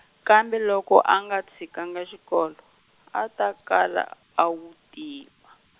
kambe loko a nga tshikanga xikolo, a a ta kala a wu tiva.